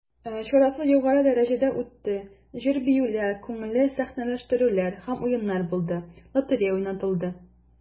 Чарасы югары дәрәҗәдә үтте, җыр-биюләр, күңелле сәхнәләштерүләр һәм уеннар булды, лотерея уйнатылды.